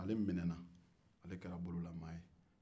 nka ale minɛna ale kɛra bololamaa ye